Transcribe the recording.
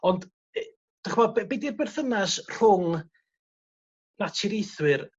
ond yy 'dych'mo' be' be' 'di'r berthynas rhwng naturiaethwyr